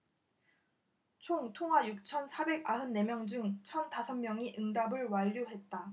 총 통화 육천 사백 아흔 네 명 중 천 다섯 명이 응답을 완료했다